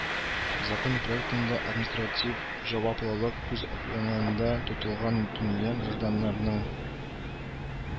Закон проектында административ җаваплылык күз уңында тотылган төнлә гражданнарның